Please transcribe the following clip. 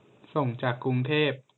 ส่งจากกรุงเทพ